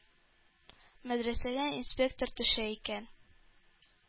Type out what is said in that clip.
Мәдрәсәгә инспектор төшә икән,